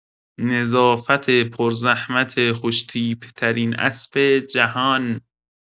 نظافت پرزحمت خوش‌تیپ‌ترین اسب جهان